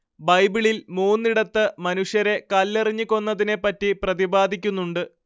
ബൈബിളിൽ മൂന്നിടത്ത് മനുഷ്യരെ കല്ലെറിഞ്ഞ് കൊന്നതിനെപ്പറ്റി പ്രതിപാദിക്കുന്നുണ്ട്